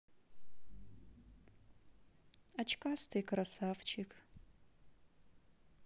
очкастый красавчик